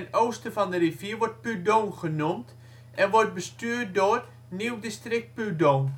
oosten van de rivier wordt Pudong genoemd en wordt bestuurd door: Nieuw District Pudong